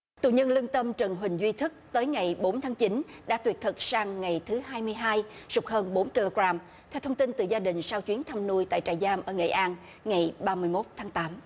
tù nhân lương tâm trần huỳnh duy thức tới ngày bốn tháng chín đã tuyệt thực sang ngày thứ hai mươi hai sụt hơn bốn cơ lô gam theo thông tin từ gia đình sau chuyến thăm nuôi tại trại giam ở nghệ an ngày ba mươi mốt tháng tám